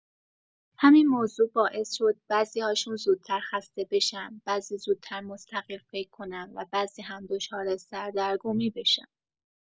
همین موضوع باعث شد بعضی‌هاشون زودتر خسته بشن، بعضی زودتر مستقل فکر کنن و بعضی هم دچار سردرگمی بشن.